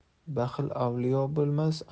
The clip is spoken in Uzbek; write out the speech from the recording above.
baxil avliyo bo'lmas